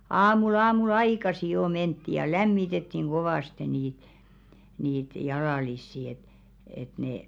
aamulla aamulla aikaisin jo mentiin ja lämmitettiin kovasti niitä niitä jalallisia että että ne